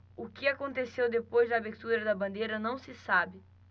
o que aconteceu depois da abertura da bandeira não se sabe